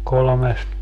kolmesti